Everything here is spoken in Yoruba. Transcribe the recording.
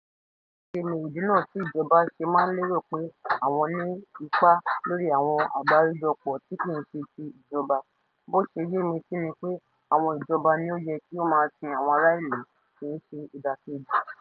Kò tíì yé mi ìdí náà tí ìjọba ṣe máa ń lérò pé àwọ́n ní ipá lórí àwọn àgbáríjọpọ̀ tí kìí ṣe ti ìjọba, bó ṣe yé mi sí ni pé awọn ìjọba ni ó yẹ kí ó máa sin àwọn ará ilú kìí ṣe ìdàkejì.